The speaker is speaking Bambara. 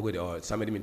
U ko di awɔɔ samedi mi